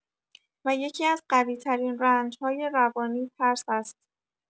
و یکی‌از قوی‌ترین رنج‌های روانی ترس است.